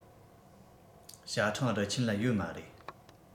ཞ ཁྲེང རུ ཆེན ལ ཡོད མ རེད